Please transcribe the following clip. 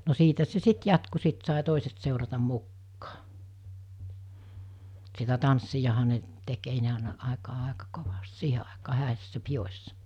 no siitä se sitten jatkui sitten sai toiset seurata mukaan sitä tanssiahan ne teki ei ennen aina aikaan aika kovasti siihen aikaan häissä pidoissa